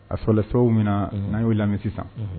A sɔrɔlalɛ sababuw min na n'an y'o lamɛn sisan